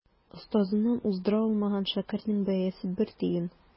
Остазыннан уздыра алмаган шәкертнең бәясе бер тиен.